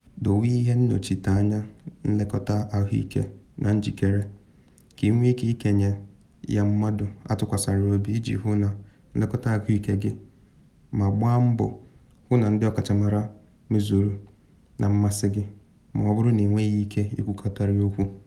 Dowe ihe nnọchite nlekọta-ahụike na njikere ka ị nwee ike ịkenye ya mmadụ atụkwasịrị obi iji hụ maka nlekọta ahụike gị ma gbaa mbọ hụ ndị ọkachamara mezuru na mmasị gị ma ọ bụrụ na ị nweghị ike ikwukọrịta okwu.